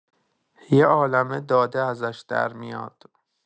یه عالمه داده ازش در میاد.